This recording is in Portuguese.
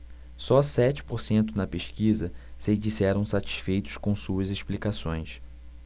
só sete por cento na pesquisa se disseram satisfeitos com suas explicações